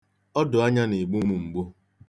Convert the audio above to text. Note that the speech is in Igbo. Ọdụanya na-egbu m mgbu.